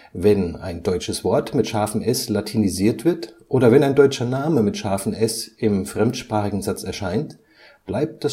Wenn ein deutsches Wort mit ß latinisiert wird oder wenn ein deutscher Name mit ß im fremdsprachigen Satz erscheint, bleibt